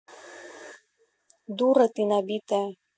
дура ты набитая